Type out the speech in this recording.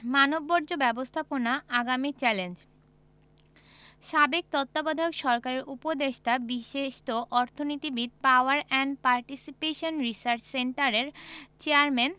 মানববর্জ্য ব্যবস্থাপনা আগামীর চ্যালেঞ্জ সাবেক তত্ত্বাবধায়ক সরকারের উপদেষ্টা বিশিষ্ট অর্থনীতিবিদ পাওয়ার অ্যান্ড পার্টিসিপেশন রিসার্চ সেন্টারের চেয়ারম্যান